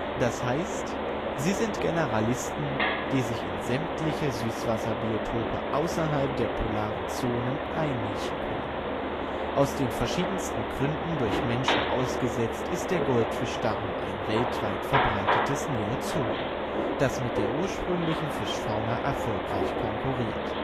Das heißt, sie sind Generalisten, die sich in sämtliche Süßwasserbiotope außerhalb der polaren Zonen einnischen können. Aus den verschiedensten Gründen durch Menschen ausgesetzt, ist der Goldfisch darum ein weltweit verbreitetes Neozoon, das mit der ursprünglichen Fischfauna erfolgreich konkurriert